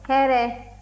hɛrɛ